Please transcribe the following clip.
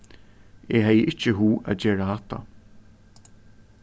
eg hevði ikki hug at gera hatta